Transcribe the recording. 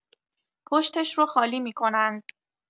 پشتش رو خالی می‌کنند.